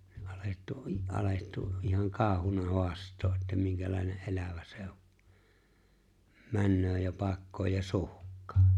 alettu alettu ihan kauhuna haastaa että minkälainen elävä se on menee ja pakkoon ja suhkaa